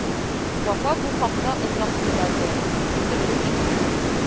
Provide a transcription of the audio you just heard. Вафа бу хакта озак уйлады, күптөрле фикер йөртте